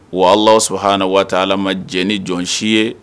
Wa ala sɔn hana waati ala ma jɛ ni jɔn si ye